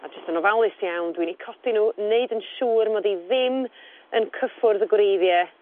A jyst yn ofalus iawn dwi'n 'u codi n'w neud yn siŵr mod i ddim yn cyffwrdd y gwreiddie